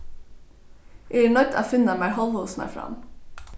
eg eri noydd at finna mær hálvhosurnar fram